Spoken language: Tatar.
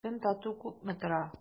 Бөтен тату күпме тора?